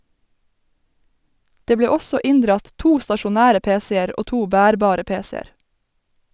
Det ble også inndratt to stasjonære PC-er og to bærbare PC-er.